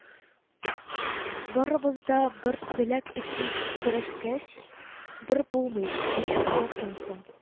Барыбыз да бер теләк өчен көрәшкәч, бер булмый, ничек булсын соң